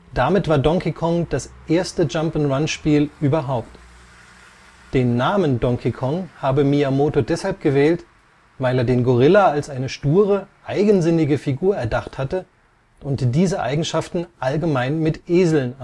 Damit war Donkey Kong das erste Jump'n'Run-Spiel überhaupt. Den Namen Donkey Kong habe Miyamoto deshalb gewählt, weil er den Gorilla als eine sture, eigensinnige Figur erdacht hatte und diese Eigenschaften allgemein mit Eseln